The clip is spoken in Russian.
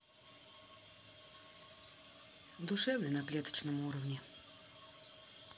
душевный на клеточном уровне